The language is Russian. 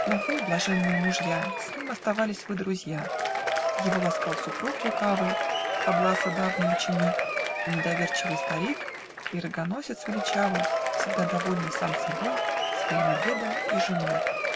Но вы, блаженные мужья, С ним оставались вы друзья: Его ласкал супруг лукавый, Фобласа давний ученик, И недоверчивый старик, И рогоносец величавый, Всегда довольный сам собой, Своим обедом и женой. .......................................................